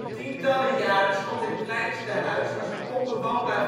Tientallen jaren stond dit kleinste huisje als ' onbewoonbaar